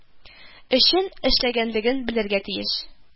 Өчен эшләгәнлеген белергә тиеш